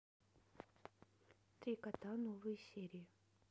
три кота новые серии